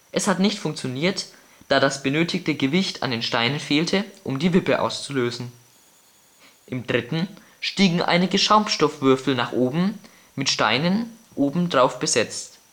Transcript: es hat nicht funktioniert da das benötigte Gewicht an Steinen fehlte um die Wippe auszulösen. Im dritten stiegen einige Schaumstoffwürfel nach oben mit Steinen oben drauf besetzt